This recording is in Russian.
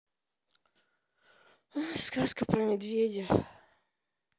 сказка про медведя